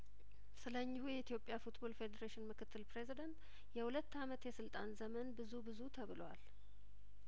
ስለእኚሁ የኢትዮጵያ ፉትቦል ፌዴሬሽን ምክትል ፕሬዚደንት የሁለት አመት የስልጣን ዘመን ብዙ ብዙ ተብሏል